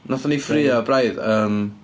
Wnaethon ni ffraeo braidd, yym...